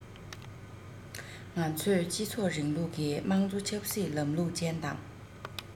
ང ཚོས སྤྱི ཚོགས རིང ལུགས ཀྱི དམངས གཙོ ཆབ སྲིད ལམ ལུགས ཅན དང